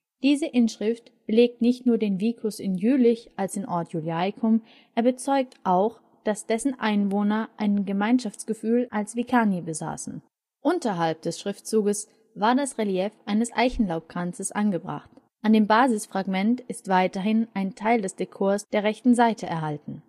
Diese Inschrift belegt nicht nur den vicus in Jülich als den Ort Iuliacum, er bezeugt auch, dass dessen Einwohner ein Gemeinschaftsgefühl als vicani besaßen. Unterhalb des Schriftzuges war das Relief eines Eichenlaubkranzes angebracht. An dem Basisfragment ist weiterhin ein Teil des Dekors der rechten Seite erhalten